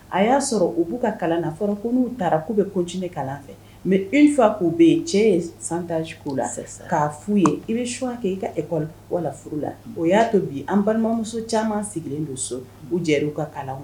A y'a sɔrɔ u b'u ka kalan na'u taara k'u bɛ ko jinin kalan fɛ mɛ ifa' bɛ yen cɛ ye san tan k' la k'a fu ye i bɛ suwa kɛ kakɔ wala la furu la o y'a to bi an balimamuso caman sigilen don so u jeliw u ka kalan